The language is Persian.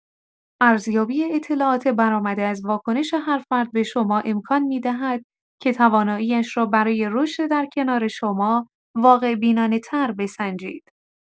ارزیابی اطلاعات برآمده از واکنش هر فرد به شما امکان می‌دهد که توانایی‌اش را برای رشد در کنار شما واقع‌بینانه‌تر بسنجید.